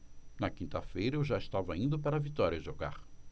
na quinta-feira eu já estava indo para vitória jogar